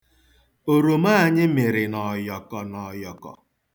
Oroma anyị mịrị n'ọyọkọ n'ọyọkọ.